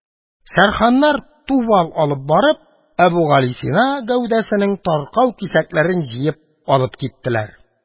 Сәрһаңнар, тубал алып барып, Әбүгалисина гәүдәсенең таркау кисәкләрен җыеп алып киттеләр.